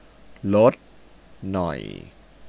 ลดหน่อย